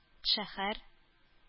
Шәһәр